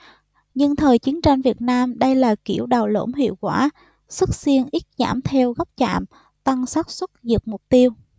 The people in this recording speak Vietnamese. nhưng thời chiến tranh việt nam đây là kiểu đầu lõm hiệu quả sức xuyên ít giảm theo góc chạm tăng xác suất diệt mục tiêu